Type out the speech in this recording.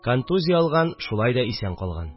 Контузия алган – шулай да исән калган